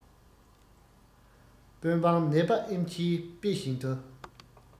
དཔོན འབངས ནད པ ཨེམ ཆིའི དཔེ བཞིན དུ